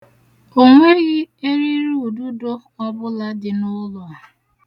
Onweghị eririududo ọbụla dị n'ụlọ a.